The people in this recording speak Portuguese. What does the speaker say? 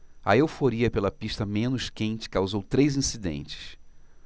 a euforia pela pista menos quente causou três incidentes